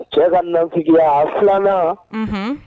Cɛ ka nafigiya a 2 nan unhun